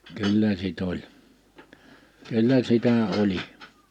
kyllä sitten oli kyllä sitä oli